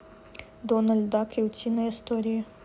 дональд дак и утиные истории